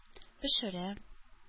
Пешерә